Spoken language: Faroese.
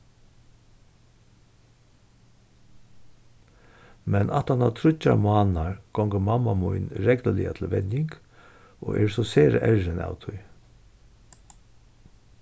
men aftaná tríggjar mánaðar gongur mamma mín regluliga til venjing og er so sera errin av tí